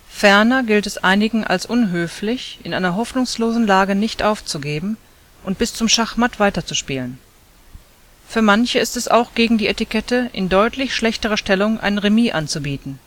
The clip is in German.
Ferner gilt es einigen als unhöflich, in einer hoffnungslosen Lage nicht aufzugeben und bis zum Schachmatt weiterzuspielen. Für manche ist es auch gegen die Etikette, in deutlich schlechterer Stellung ein Remis anzubieten